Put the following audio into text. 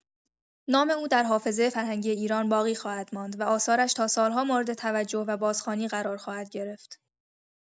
نام او در حافظه فرهنگی ایران باقی خواهد ماند و آثارش تا سال‌ها مورد توجه و بازخوانی قرار خواهد گرفت.